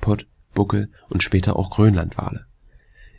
Pott -, Buckel - und später auch Grönlandwale.